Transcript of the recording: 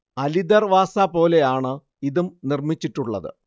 അലി ദർവാസ പോലെയാണ് ഇതും നിർമിച്ചിട്ടുള്ളത്